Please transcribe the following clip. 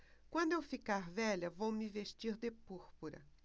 quando eu ficar velha vou me vestir de púrpura